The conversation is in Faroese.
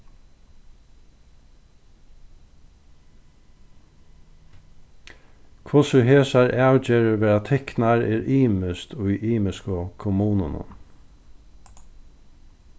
hvussu hesar avgerðir verða tiknar er ymiskt í ymisku kommununum